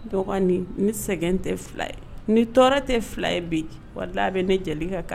Dɔgɔnin ni sɛgɛn tɛ fila ye ni tɔɔrɔ tɛ fila ye bi wari a bɛ ne jeli ka kan